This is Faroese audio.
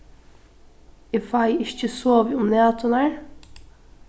eg fái ikki sovið um næturnar